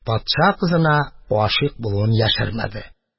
Патша кызына гашыйк булуын яшермәде.